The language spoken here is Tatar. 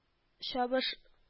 Чабыш